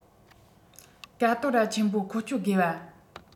ཀ ཏོ ར ཆེན པོ འཁོ སྤྱོད དགོས པ